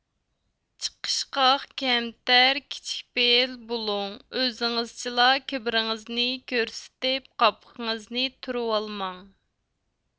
چىقىشقاق كەمتەر كىچىك پېئىل بولۇڭ ئۆزىڭىزچىلا كىبىرىڭىزنى كۆرسىتىپ قاپىقىڭىزنى تۈرۈۋالماڭ